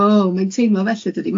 Oh, mai'n teimlo felly dydi?